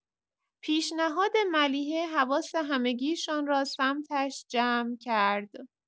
پیشنهاد ملیحه حواس همگی‌شان را سمتش جمع کرد.